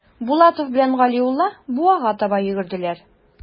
Булатов белән Галиулла буага таба йөгерделәр.